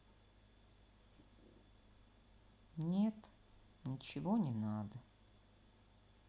нет ничего не надо